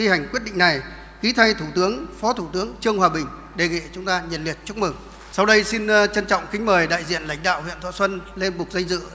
thi hành quyết định này ký thay thủ tướng phó thủ tướng trương hòa bình đề nghị chúng ta nhiệt liệt chúc mừng sau đây xin trân trọng kính mời đại diện lãnh đạo huyện thọ xuân lên bục danh dự